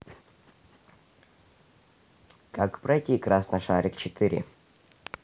как пройти красный шарик четыре